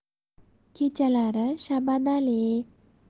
kechalari shabadali